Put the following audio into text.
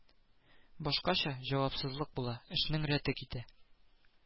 Башкача җавапсызлык була, эшнең рәте китә